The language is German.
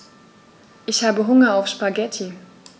Ich habe Hunger auf Spaghetti.